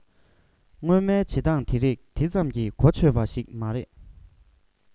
སྔོན མའི བྱེད སྟངས དེ རིགས དེ ཙམ གྱིས གོ ཆོད པ ཞིག མ རེད